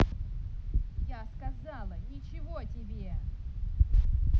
я сказала ничего тебе